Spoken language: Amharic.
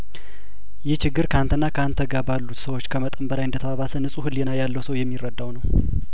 ይህ ችግር ካንተና ካንተጋ ባሉት ሰዎች ከመጥን በላይ እንደተባባሰ ንጹህ ህሊና ያለው ሰው የሚረዳው ነው